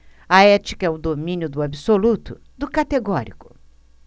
a ética é o domínio do absoluto do categórico